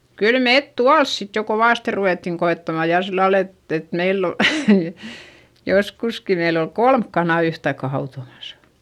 kyllä me tuolla sitten jo kovasti ruvettiin koettamaan ja sillä lailla että että meillä oli joskuskin meillä oli kolme kanaa yhtaikaa hautomassa